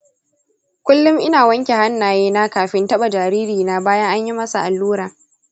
kullum ina wanke hannaye na kafin in taɓa jaririna bayan an yi masa allura.